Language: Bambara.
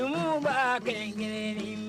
Jba kɛ kelen